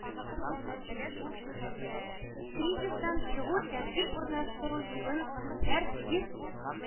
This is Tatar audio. – кризистан чыгу, тәртип урнаштыру юлын күпләр спирт,